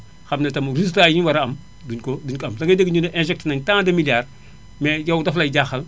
xam ne itam résultat yi ñu war a am duñu ko duñu ko am dangay dégg ñu ne injecté nañu tant de milliards mais yow dafa lay jaaxal